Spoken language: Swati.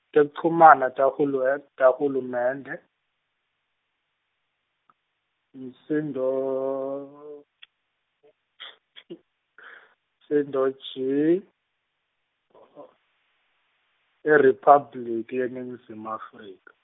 Tekuchumana tahulum-, tahulumende , msindo msindo G , IRiphabliki yeNingizimu Afrika.